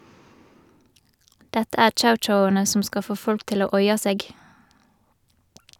Dette er chow-chowane som skal få folk til å oia seg.